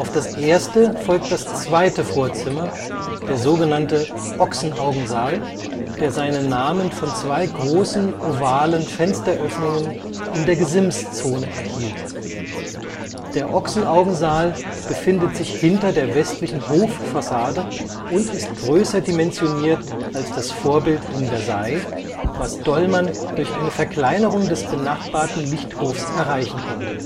das erste folgt das zweite Vorzimmer, der sogenannte Ochsenaugensaal, der seinen Namen von zwei großen ovalen Fensteröffnungen in der Gesimszone erhielt. Der Ochsenaugensaal befindet sich hinter der westlichen Hoffassade und ist größer dimensioniert als das Vorbild in Versailles, was Dollmann durch eine Verkleinerung des benachbarten Lichthofs erreichen konnte